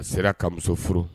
A sera ka muso furu